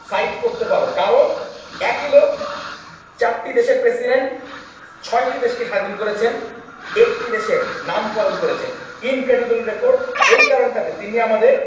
me সাইট করতে পারো কারন একই লোক চারটি দেশের প্রেসিডেন্ট 6 টি দেশকে স্বাধীন করেছেন একটি দেশের নামকরণ করেছেন ইনক্রেডিবল রেকর্ড এই কারন টা তে তিনি আমাদের